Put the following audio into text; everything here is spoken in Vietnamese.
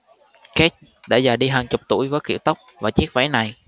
kate đã già đi hàng chục tuổi với kiểu tóc và chiếc váy này